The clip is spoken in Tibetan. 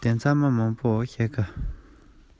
ཇ བླུག པའི སྒྲ དེ འོ མ བླུག པའི